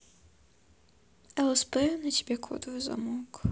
лсп на тебе кодовый замок